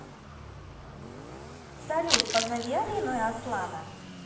салют позови алину и аслана